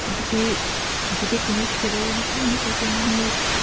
Ond dydy... ydy Begw yn licio fod Wini Ffini Hadog yn newid?